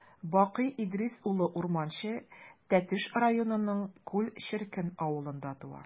Бакый Идрис улы Урманче Тәтеш районының Күл черкен авылында туа.